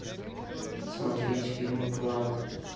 смотреть фильм клан